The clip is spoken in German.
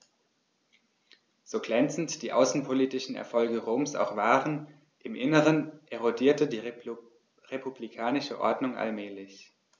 So glänzend die außenpolitischen Erfolge Roms auch waren: Im Inneren erodierte die republikanische Ordnung allmählich.